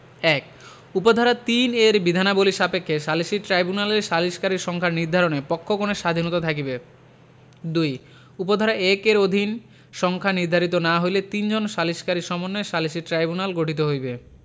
১ উপ ধারা ৩ এর বিধানাবলী সাপেক্ষে সালিসী ট্রাইব্যুনালের সালিসকারীর সংখ্যা নির্ধারণে পক্ষগণের স্বাধীনতা থাকিবে ২ উপ ধারা ১ এর অধীন সংখ্যা নির্ধারিত না হইলে তিনজন সালিসকারী সমন্বয়ে সালিসী ট্রাইব্যুনাল গঠিত হইবে